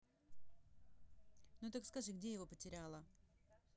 ну так скажи где я его потеряла